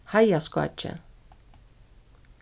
heiðaskákið